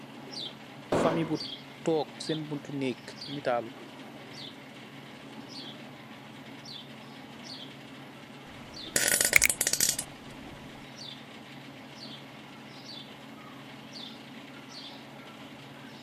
Famie bu took sen buntu naik, nitaalu.